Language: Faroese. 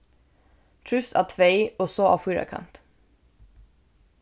trýst á tvey og so á fýrakant